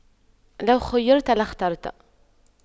لو خُيِّرْتُ لاخترت